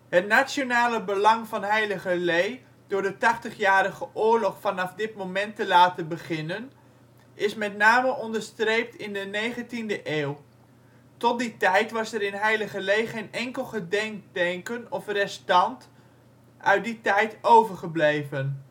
Het nationale belang van Heiligerlee, door de Tachtigjarige Oorlog vanaf dit moment te laten beginnen, is met name onderstreept in de 19e eeuw. Tot die tijd was er in Heiligerlee geen enkel gedenkteken of restant uit die tijd overgebleven